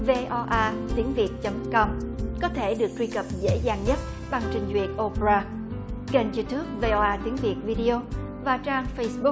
vê o a tiếng việt chấm com có thể được truy cập dễ dàng nhất bằng trình duyệt ô pê ra kênh diu túp vê o a tiếng việt vi đi ô và trang phây búc